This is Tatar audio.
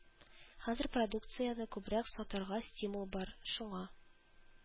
Хәзер продукцияне күбрәк сатарга стимул бар, шуңа